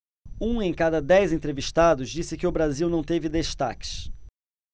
um em cada dez entrevistados disse que o brasil não teve destaques